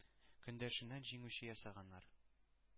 Көндәшеннән «җиңүче» ясаганнар.